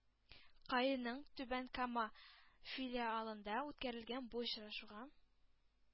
Каиның түбән кама филиалында үткәрелгән бу очрашуга